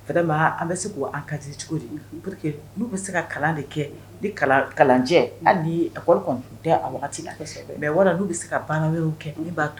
K cogo de kɛ kalan bɛ se ka baara kɛ